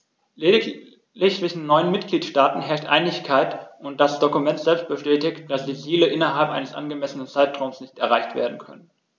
Lediglich zwischen neun Mitgliedsstaaten herrscht Einigkeit, und das Dokument selbst bestätigt, dass die Ziele innerhalb eines angemessenen Zeitraums nicht erreicht werden können.